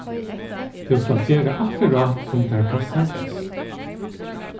tú skalt gera akkurát sum tær passar best